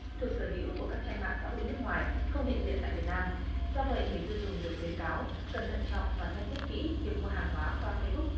thuộc sở hữu của các trang mạng xã hội nước ngoài không hiện diện tại việt nam do vậy người tiêu dùng được khuyến cáo cần thận trọng và xem xét kỹ việc mua hàng hóa qua phây búc